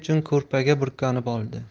uchun ko'rpaga burkanib oldi